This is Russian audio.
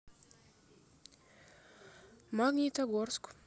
магнитогорск